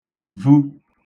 vu